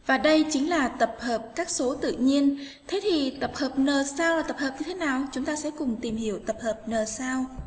và đây chính là tập hợp các số tự nhiên thế thì tập hợp n sao là tập hợp như thế nào chúng ta sẽ cùng tìm hiểu tập hợp n sao